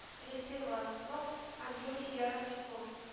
Алексей Волостнов һәм Юрий Яровиков